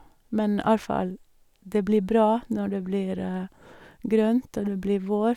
Men, iallfall, det blir bra når det blir grønt, og det blir vår.